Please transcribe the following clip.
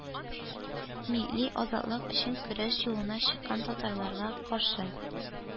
Милли азатлык өчен көрәш юлына чыккан татарларга каршы